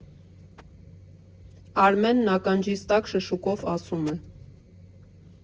Արմենն ականջիս տակ շշուկով ասում է.